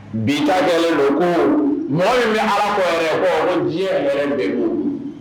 Bi don ko mɔgɔ min bɛ ala ko yɛrɛ kɔ diɲɛ yɛrɛ bɛ bolo